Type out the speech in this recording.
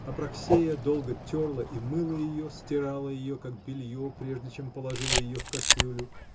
Апраксея долго терла и мыла ее, стирая ее, как белье, прежде чем положила ее в кастрюлю